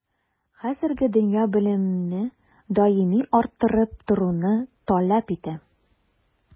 Хәзерге дөнья белемеңне даими арттырып торуны таләп итә.